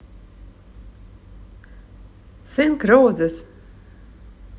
thank роузес